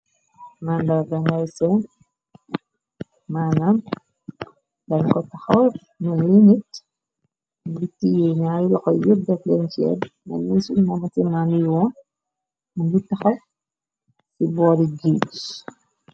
Manda ba ngay seen maanam dan ko taxawr neni nit mrityeenaay la koy yórdak leen ceer nan ni su nama cinaniyuwa mngi taxaf ci boori geas.